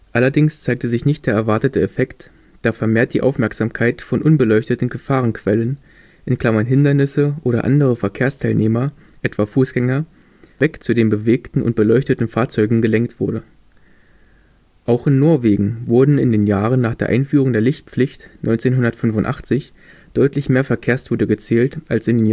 Allerdings zeigte sich nicht der erwartete Effekt, da vermehrt die Aufmerksamkeit von unbeleuchteten Gefahrenquellen (Hindernisse oder andere Verkehrsteilnehmer etwa Fußgänger) weg zu den bewegten und beleuchteten Fahrzeugen gelenkt wurde. Auch in Norwegen wurden in den Jahren nach der Einführung der Lichtpflicht 1985 deutlich mehr Verkehrstote gezählt als in